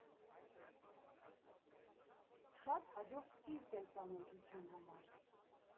Շատ հաջող սկիզբ էր ծանոթության համար։